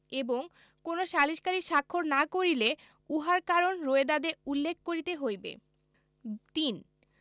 এবং কোন সালিসকারী স্বাক্ষর না করিলে উহার কারণ রোয়েদাদে উল্লেখ করিতে হইবে ৩